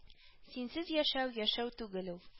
Синсез яшәү яшәү түгел ул